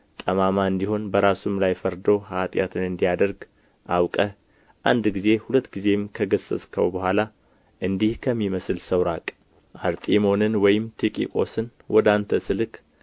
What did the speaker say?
ጠማማ እንዲሆን በራሱም ላይ ፈርዶ ኃጢአትን እንዲያደርግ አውቀህ አንድ ጊዜ ሁለት ጊዜም ከገሠጽኸው በኋላ እንዲህ ከሚመስል ሰው ራቅ አርጢሞንን ወይም ቲኪቆስን ወደ አንተ ስልክ